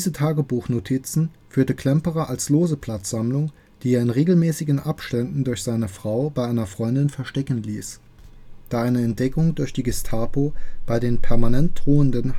Tagebuchnotizen führte Klemperer als Loseblattsammlung, die er in regelmäßigen Abständen durch seine Frau bei einer Freundin verstecken ließ, da eine Entdeckung durch die Gestapo bei den permanent drohenden